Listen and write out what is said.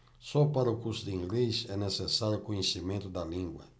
só para o curso de inglês é necessário conhecimento da língua